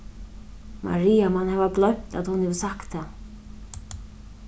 maria man hava gloymt at hon hevur sagt tað